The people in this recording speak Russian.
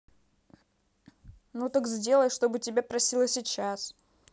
ну так сделай чтобы тебя просила сейчас